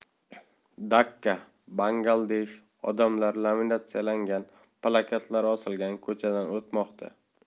dakka bangladeshodamlar laminatsiyalangan plakatlar osilgan ko'chadan o'tmoqda